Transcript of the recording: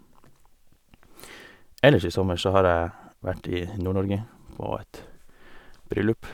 Ellers i sommer så jeg vært i Nord-Norge på et bryllup.